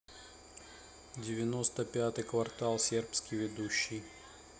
девяносто пятый квартал сербский ведущий